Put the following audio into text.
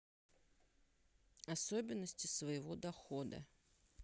особенности своего дохода